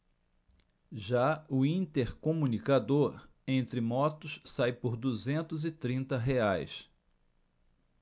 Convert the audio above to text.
já o intercomunicador entre motos sai por duzentos e trinta reais